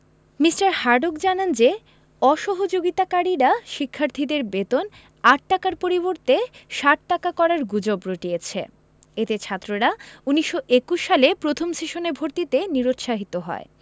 Me. Hartog জানান যে অসহযোগিতাকারীরা শিক্ষার্থীদের বেতন ৮ টাকার পরিবর্তে ৬০ টাকা করার গুজব রটিয়েছে এতে ছাত্ররা ১৯২১ সালে প্রথম সেশনে ভর্তিতে নিরুৎসাহিত হয়